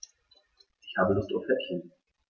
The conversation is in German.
Ich habe Lust auf Häppchen.